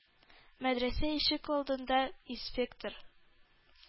Мәдрәсә ишек алдында инспектор